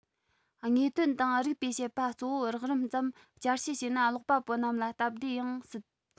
དངོས དོན དང རིགས པས དཔྱད པ གཙོ བོ རགས རིམ ཙམ བསྐྱར བཤད བྱས ན ཀློག པ པོ རྣམས ལ སྟབས བདེ ཡང སྲིད